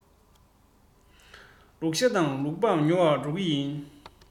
ལུག ཤ དང ལུག ལྤགས ཉོ བར འགྲོ གི ཡིན